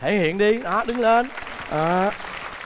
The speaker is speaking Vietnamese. thể hiện đi đó đứng lên đó